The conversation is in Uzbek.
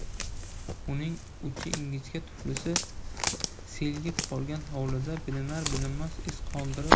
uning uchi ingichka tuflisi selgib qolgan hovlida bilinar bilinmas iz qoldirib